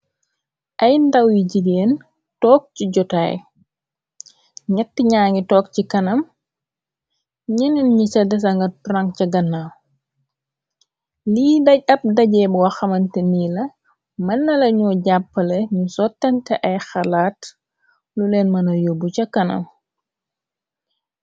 Ay ndaw yi jigeen took ci jotaay ñett ñaangi tokk ci kanam ñeneen ñi ca desa nga prank ca gannaaw lii daj ab dajee bu wa xamante nii la mën na la ñoo jàppale ñu sottante ay xalaat luleen mëna yóbbu ca kanam.